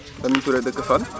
Lamine touré dëkk fan